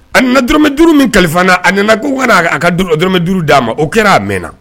A na dɔrɔmɛ duuru min kalifa a nana ko wara' aa ka dɔrɔmɛ duuru d'a ma o kɛra' a mɛnna